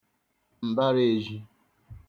mbara ezhi